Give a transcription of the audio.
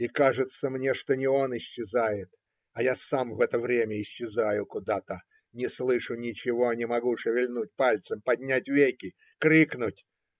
И кажется мне, что не он исчезает, а я сам в это время исчезаю куда-то, не слышу ничего, не могу шевельнуть пальцем, поднять веки, крикнуть.